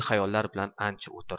xayollar bilan ancha o'tirda